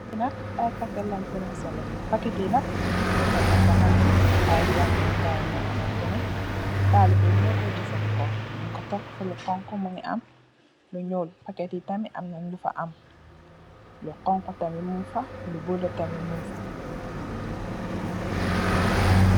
Lii nak ay pakèt lenj fi ransale, paket yi nak lu fa nekk nak ay jangekaay yoo xamantene, talibe yi nyo ko jafandiko, nyun ko teg si lo xonxu, mingi am lu nyuul, paket yi tamin, amna lu fa am, lu xonxu tamin mung fa, lu bula tam mung fa.